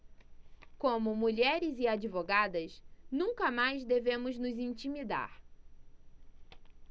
como mulheres e advogadas nunca mais devemos nos intimidar